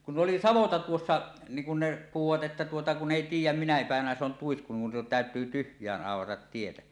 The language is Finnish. kun oli savotta tuossa niin kun ne puhuivat että tuota kun ei tiedä minä päivänä se on tuisku niin täytyy tyhjään aurata tietä